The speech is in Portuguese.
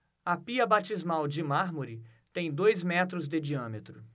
a pia batismal de mármore tem dois metros de diâmetro